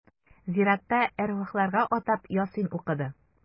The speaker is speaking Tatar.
Зиратта әрвахларга атап Ясин укыды.